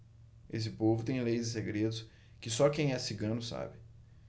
esse povo tem leis e segredos que só quem é cigano sabe